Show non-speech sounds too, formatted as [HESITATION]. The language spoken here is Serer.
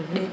[HESITATION] [HESITATION]